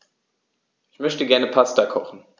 Ich möchte gerne Pasta kochen.